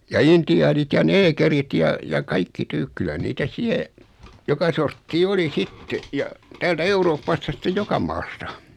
ja intiaanit ja neekerit ja ja kaikki tyy kyllä niitä siellä joka sorttia oli sitten ja täältä Euroopasta sitten joka maasta